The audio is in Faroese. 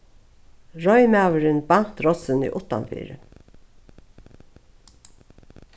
reiðmaðurin bant rossini uttanfyri